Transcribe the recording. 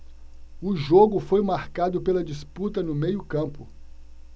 o jogo foi marcado pela disputa no meio campo